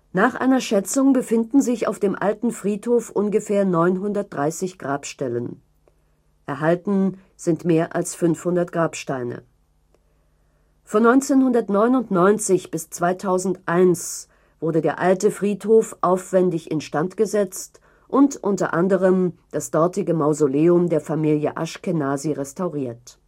Nach einer Schätzung befinden sich auf dem alten Friedhof ungefähr 930 Grabstellen. Erhalten sind mehr als 500 Grabsteine. Von 1999 – 2001 wurde der alte Friedhof aufwendig instandgesetzt und u. a. das dortige Mausoleum der Familie Aschkenasy restauriert